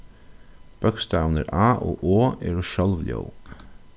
bókstavirnir a og o eru sjálvljóð